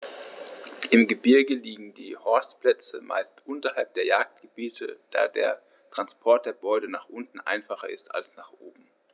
Im Gebirge liegen die Horstplätze meist unterhalb der Jagdgebiete, da der Transport der Beute nach unten einfacher ist als nach oben.